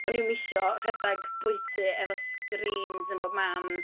O'n i'm isio rhedeg bwyty efo screens yn bob man.